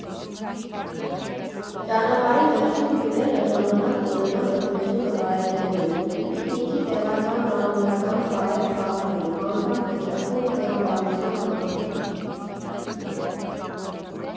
Ճանապարհի վերջում հյուրերը ժամանակ կունենան բնությունը վայելելու, պիկնիկի, տեղական ավանդական խաղեր խաղալու, անգամ լճակում թիավարության համար։